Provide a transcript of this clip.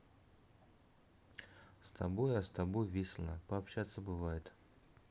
с тобой а с тобой весело пообщаться бывает